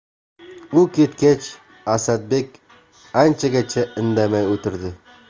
u ketgach asadbek anchagacha indamay o'tirdi